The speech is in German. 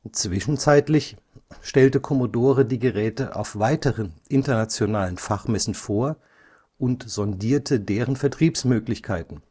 Zwischenzeitlich stellte Commodore die Geräte auf weiteren internationalen Fachmessen vor und sondierte deren Vertriebsmöglichkeiten